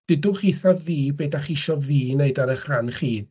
Deudwch chi wrtha fi beth dach chi isio fi wneud ar eich rhan chi.